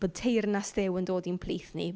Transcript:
Bo' teyrnas Duw yn dod i'n plith ni.